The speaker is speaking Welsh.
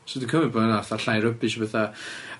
So dwi cymryd bo' hynna fatha 'llai rubbish a petha.